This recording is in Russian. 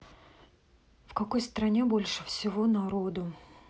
в какой стране больше всего народу